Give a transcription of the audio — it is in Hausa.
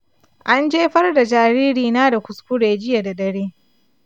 an jefar da jaririna da kuskure jiya da dare.